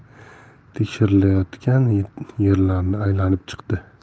tekshirilayotgan yerlarni aylanib chiqdi